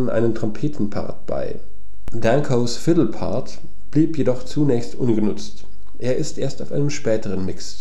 einen Trompetenpart bei; Dankos Fiddlepart blieb jedoch zunächst ungenutzt, er ist erst auf einem späteren Mix